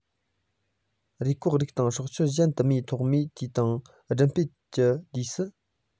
རུས སྐོགས རིགས དང སྲོག ཆགས གཞན དུ མའི ཐོག མའི དུས དང སྦྲུམ རྟེན གྱི དུས སུ